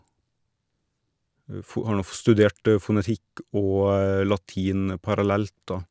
fo Har nå f studert fonetikk og latin parallelt, da.